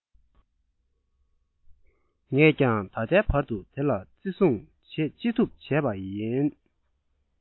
ངས ཀྱང ད ལྟའི བར དུ དེ ལ བརྩི སྲུང བྱེད ཅི ཐུབ བྱས པ ཡིན